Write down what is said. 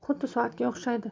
xuddi soatga o'xshaydi